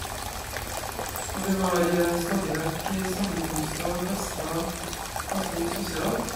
Og vi har stadig vekk sammenkomster, fester, ganske mye sosialt.